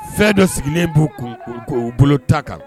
Fɛn dɔ sigilennen b'u k'o bolo ta kan